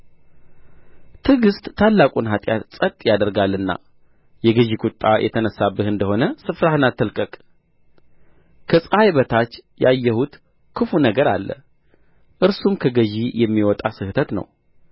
ትዕግሥት ታላቁን ኃጢአት ጸጥ ያደርጋልና የገዢ ቍጣ የተነሣብህ እንደ ሆነ ስፍራህን አትልቀቅ ከፀሐይ በታች ያየሁት ክፉ ነገር አለ እርሱም ከገዢ የሚወጣ ስሕተት ነው